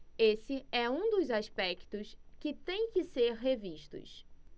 esse é um dos aspectos que têm que ser revistos